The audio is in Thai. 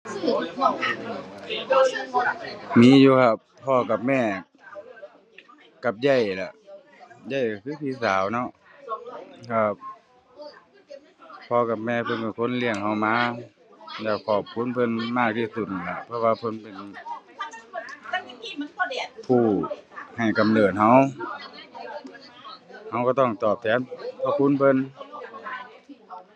มีอยู่ครับพ่อกับแม่ กับเอื้อยล่ะ เอื้อยก็คือพี่สาวเนาะครับ พอกับแม่เป็นคนเลี้ยงก็มา แล้วขอบคุณเพิ่นมากที่สุดนั่นล่ะ เพราะว่าเพิ่นเป็นผู้ให้กำเนิดก็ ก็ก็ต้องตอบแทนพระคุณเพิ่น